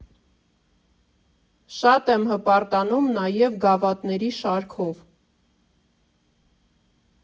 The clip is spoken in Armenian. Շատ եմ հպարտանում նաև գավաթների շարքով։